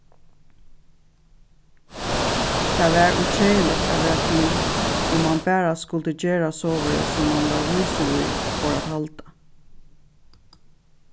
tað var ov keðiligt at vera til um man bara skuldi gera sovorðið sum mann var vísur í fór at halda